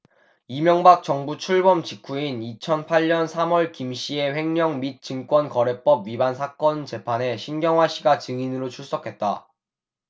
이명박 정부 출범 직후인 이천 팔 년 삼 월 김씨의 횡령 및 증권거래법 위반 사건 재판에 신경화씨가 증인으로 출석했다